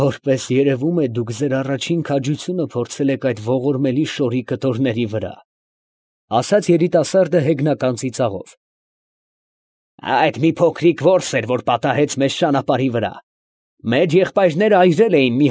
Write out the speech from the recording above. Որպես երևում է, դուք ձեր առաջին քաջությունը փորձել եք այդ ողորմելի շորի կտորների վրա… ֊ ասաց երիտասարդը հեգնական ծիծաղով։ ֊ Այդ մի փոքրիկ որս էր, որ պատահեց մեզ ճանապարհի վրա. մեր եղբայրները այրել էին մի։